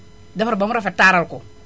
defar ba mu rafet taaral ko